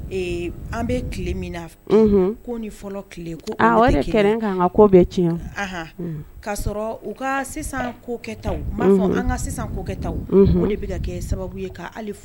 An k kaa sɔrɔ u ka ko kɛ u b'a fɔ an ka kota de bɛ kɛ sababu ye